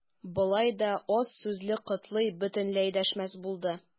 Болай да аз сүзле Котлый бөтенләй дәшмәс булды.